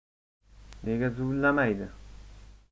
nega zuvlamaydi